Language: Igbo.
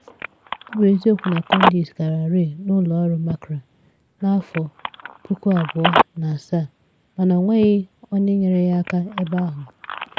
Ọ bụ eziokwu na Kondesi gararịị n'ụlọ ọrụ MACRA n'afọ 2007, mana onweghi onye nyeere ya aka ebe ahụ.